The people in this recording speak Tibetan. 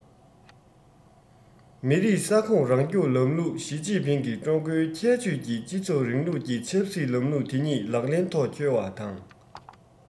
མི རིགས ས ཁོངས རང སྐྱོང ལམ ལུགས ཞིས ཅིན ཕིང གིས ཀྲུང གོའི ཁྱད ཆོས ཀྱི སྤྱི ཚོགས རིང ལུགས ཀྱི ཆབ སྲིད ལམ ལུགས དེ ཉིད ལག ལེན ཐོག འཁྱོལ བ དང